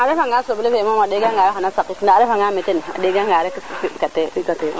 non a refa nga soble fe moom a ndega ngayo xana saqit nda a refa nga mete ne a ndenga nga rek fi kate